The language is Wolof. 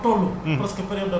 foofu lañ gën a mën yàqee